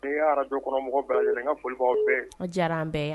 Ara kɔnɔ mɔgɔ n ka foli bɛɛ diyara an bɛɛ